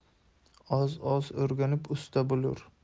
oz oz o'rganib usta bo'lur